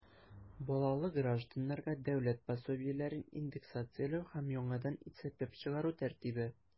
Балалы гражданнарга дәүләт пособиеләрен индексацияләү һәм яңадан исәпләп чыгару тәртибе.